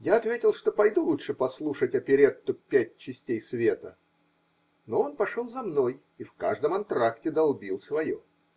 Я ответил, что пойду лучше послушать оперетту "Пять частей света", но он пошел за мной и в каждом антракте долбил свое.